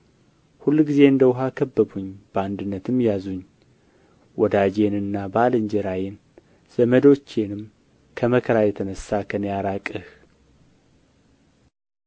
ሁልጊዜ እንደ ውኃ ከበቡኝ በአንድነትም ያዙኝ ወዳጄንና ባልንጀራዬን ዘመዶቼንም ከመከራ የተነሣ ከእኔ አራቅህ